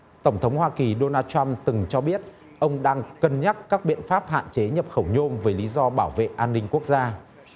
tổng thống hoa kỳ đô nan trăm từng cho biết ông đang cân nhắc các biện pháp hạn chế nhập khẩu nhôm với lý do bảo vệ an ninh quốc gia